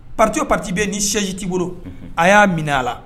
Patoo pati bɛ ni sɛjiti bolo a y'a minɛ a la